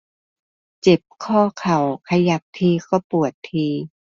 เจ็บข้อเข่าขยับทีก็ปวดที